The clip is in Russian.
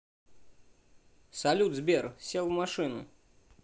салют сбер сел в машину